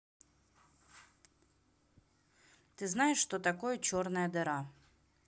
ты знаешь что такое черная дыра